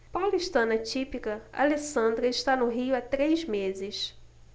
paulistana típica alessandra está no rio há três meses